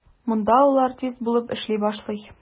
Монда ул артист булып эшли башлый.